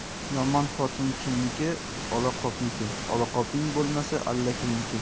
yomon xotin kimniki olaqopniki olaqoping bo'lmasa allakimniki